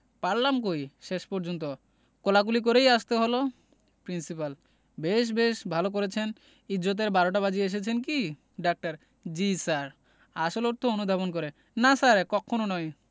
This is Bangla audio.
পারলাম কই শেষ পর্যন্ত কোলাকুলি করেই আসতে হলো প্রিন্সিপাল বেশ বেশ ভালো করেছেন ইজ্জতের বারোটা বাজিয়ে এসেছেন কি ডাক্তার জ্বী স্যার আসল অর্থ অনুধাবন করে না স্যার কক্ষণো নয়